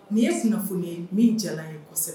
Nin'i ye f f ye min jara ye kɔ kosɛbɛ